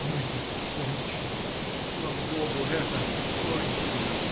- Но это кончено, слава Богу, это кончено!